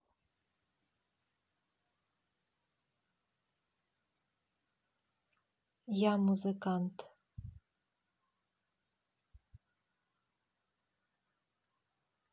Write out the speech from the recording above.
я музыкант